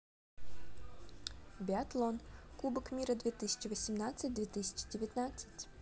биатлон кубок мира две тысячи восемнадцать две тысячи девятнадцать